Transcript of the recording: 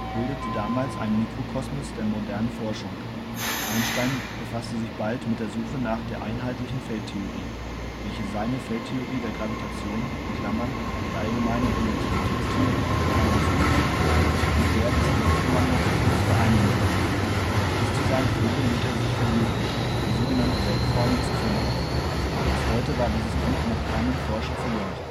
damals einen Mikrokosmos der modernen Forschung. Einstein befasste sich bald mit der Suche nach der Einheitlichen Feldtheorie, welche seine Feldtheorie der Gravitation (die Allgemeine Relativitätstheorie) mit der des Elektromagnetismus vereinigen würde. Bis zu seinem Tode mühte er sich vergeblich, die so genannte Weltformel zu finden. Bis heute war dieses Glück noch keinem Forscher vergönnt